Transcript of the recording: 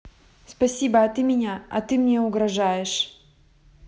спасибо а ты меня а ты мне угрожаешь